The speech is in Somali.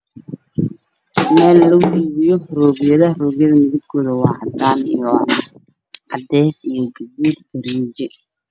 Meel lagu iibiyo roogyada midabkoodu waa caddaan caddees iyo guduud rinje ah